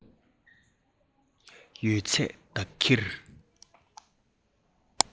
ཡོད ཚད བདག གིར